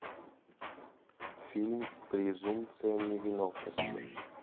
фильм презумпция невиновности